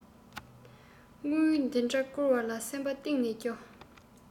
དངུལ འདི འདྲ བསྐུར བ ལ སེམས གཏིང ནས སྐྱོ